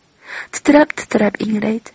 titrab titrab ingraydi